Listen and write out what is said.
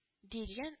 - диелгән